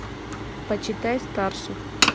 почитай старших